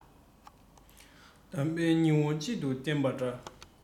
གདམས པའི སྙིང བོ བཅུད དུ བསྟེན པ འདྲ